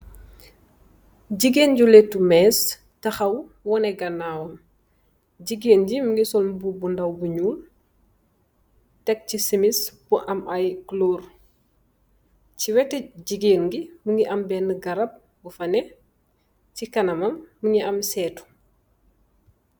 Jigen bu letu mes tahaw wone ganaw si boram mungi am setu.